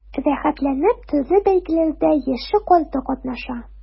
Рәхәтләнеп төрле бәйгеләрдә яше-карты катнаша.